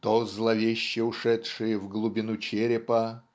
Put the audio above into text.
"то зловеще ушедшие в глубину черепа